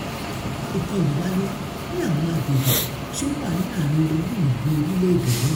Ìkọlù wáyé ní àwọn agbègbè tí ó wà ní àárín olú ìlú orílẹ̀-èdè náà.